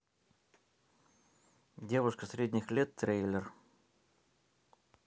девушка средних лет трейлер